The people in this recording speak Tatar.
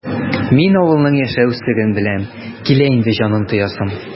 Мин авылның яшәү серен беләм, килә инде җанын тоясым!